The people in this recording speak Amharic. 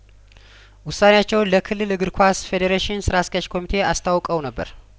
ውሳኔያቸውን ለክልል እግር ኳስ ፌደሬሽን ስራ አስኪያጅ ኮሚቴ አስታውቀው ነበር